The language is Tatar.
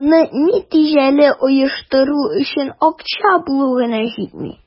Аны нәтиҗәле оештыру өчен акча бүлү генә җитми.